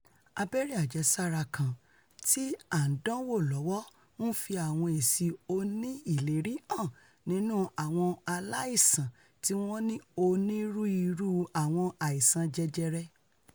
Abẹ́rẹ́ àjẹsára kan tí a ńdánwò lọ́wọ́ ńfi àwọn èsì oníìlérí hàn nínú àwọn aláìsàn tíwọ́n ní onírú-irú àwọn àìsàn jẹjẹrẹ.